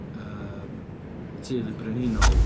Yym y teulu brenhinol.